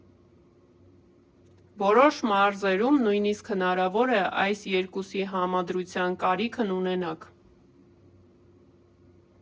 Որոշ մարզերում նույնիսկ հնարավոր է այս երկուսի համադրության կարիքն ունենաք։